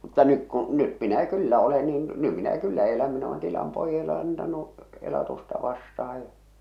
mutta nyt kun nyt minä kyllä olen niin nyt minä kyllä olen niin nyt minä kyllä elän minä olen tilan pojalle antanut elatusta vastaan ja